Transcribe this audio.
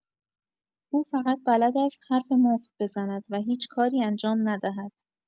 او فقط بلد است حرف مفت بزند و هیچ کاری انجام ندهد.